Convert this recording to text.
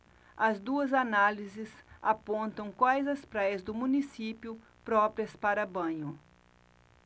as duas análises apontam quais as praias do município próprias para banho